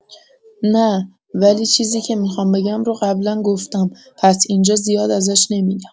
نه، ولی چیزی که میخوام بگم رو قبلا گفتم، پس اینجا زیاد ازش نمی‌گم.